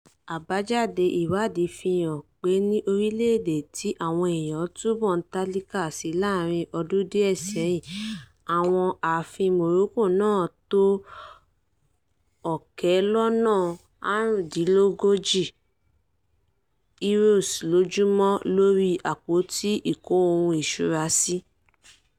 Àbájade iwadìí fi hàn pé ní orílẹ̀-èdè tí àwọn eèyàn túbọ̀ ń tálákà si láàáarín ọdún díẹ̀ sẹ́yìn yìí, àwọn aàfin Morocco n ná tó 700,000 Euros lójúmọ́ lórí àpótí ìkó-ohun-ìṣura sí.